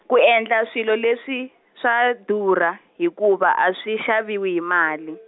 ku endla swilo leswi , swa durha hikuva a swi xaviwi hi mali.